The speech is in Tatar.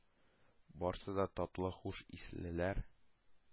Барсы да татлы хуш ислеләр.